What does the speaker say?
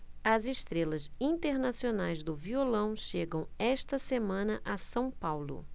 as estrelas internacionais do violão chegam esta semana a são paulo